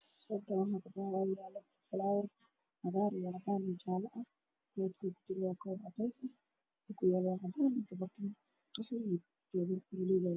Meeshaan waa miisa xasaran ubax cagaaran cadaan ah oo ku jiro koob